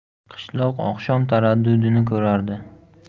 qishloq oqshom taraddudini ko'rardi